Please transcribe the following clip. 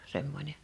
semmoinen